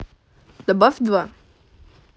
добавь два